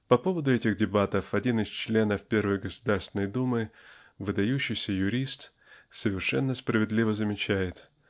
По поводу этих дебатов один из членов первой Государственной Думы выдающийся юрист совершенно справедливо замечает